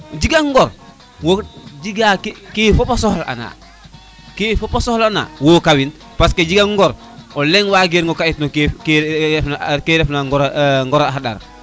jegan ŋor wo jega ke fopa soxla na ke fopa soxla na wo kawin parce que jegan ŋor o leŋ werang ngo ga it no ke ke ref na ŋor a ŋora xa ɗar